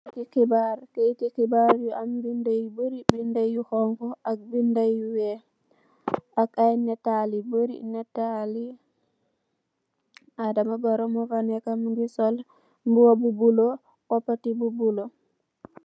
Keyete hebarr, keyete hebarr yu am beda yu bary beda yu hauha ak beda yu weehe ak aye natal yu bary natali Adama Barrow mufa neka muge sol muba bu bluelo copate bu bluelo.